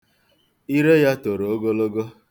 Ire ya toro ogologo.